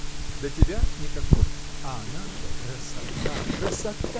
— До тебя — никакого, а она — красота, красота!